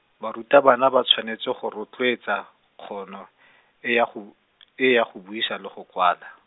barutabana ba tshwanetse go rotloetsa, kgono, e ya go, e ya go buisa le go kwala.